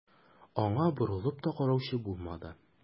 Аңа борылып та караучы булмады.